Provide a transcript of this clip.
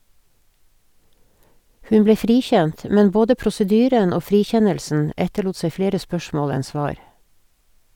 Hun ble frikjent, men både prosedyren og frikjennelsen etterlot seg flere spørsmål enn svar.